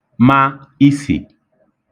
mā isì